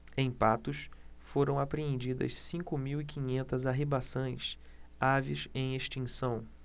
em patos foram apreendidas cinco mil e quinhentas arribaçãs aves em extinção